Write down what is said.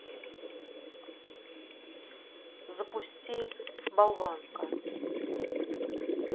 запусти болванка